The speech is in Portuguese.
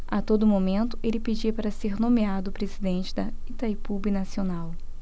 a todo momento ele pedia para ser nomeado presidente de itaipu binacional